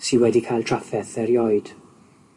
sy wedi cael traffeth erioed.